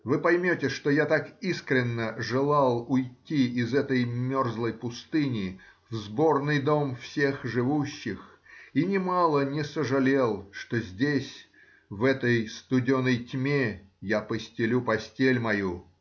Вы поймете, что я так искренно желал уйти из этой мерзлой пустыни в сборный дом всех живущих и нимало не сожалел, что здесь, в этой студеной тьме, я постелю постель мою.